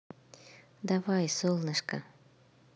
давай солнышко